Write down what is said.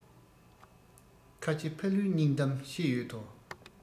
ཁ ཆེ ཕ ལུའི སྙིང གཏམ བཤད ཡོད དོ